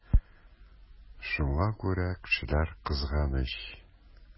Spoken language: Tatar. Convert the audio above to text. Шуңа күрә кешеләр кызганыч.